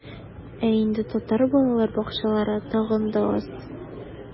Ә инде татар балалар бакчалары тагын да аз.